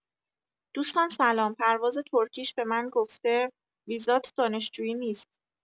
دوستان سلام پرواز ترکیش به من گفته ویزات دانشجویی نیست.